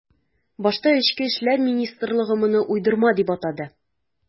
Башта эчке эшләр министрлыгы моны уйдырма дип атады.